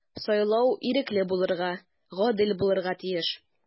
Сайлау ирекле булырга, гадел булырга тиеш.